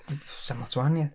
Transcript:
Sa'm lot o wahaniaeth